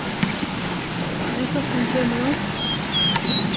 nær klokkan kemur hon